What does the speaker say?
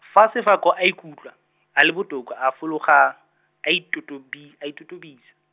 fa Sefako a ikutlwa, a le botoka a fologa, a itotobi- a itotobisa.